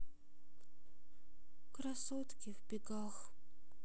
красотки в бегах